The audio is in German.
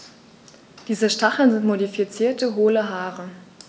Diese Stacheln sind modifizierte, hohle Haare.